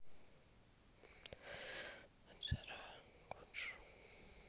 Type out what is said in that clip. аджара гуджу